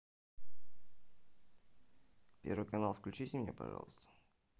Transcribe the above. первый канал включите мне пожалуйста